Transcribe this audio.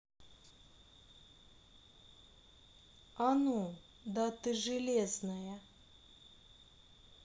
а ну да ты железная